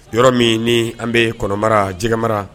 Yɔrɔ min ni an bɛ kɔnɔmara jɛgɛ mara